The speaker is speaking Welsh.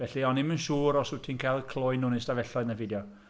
Felly o'n i ddim yn siŵr os wyt ti'n cael cloi nhw yn eu stafelloedd neu beidio.